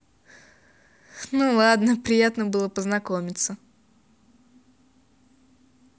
ну ладно приятно было познакомиться